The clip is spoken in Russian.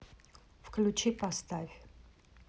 включи поставь